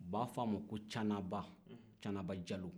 u b'a fɔ a ko canaba canaba jalo